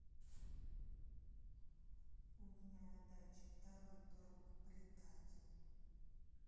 у меня на даче второй друг предатель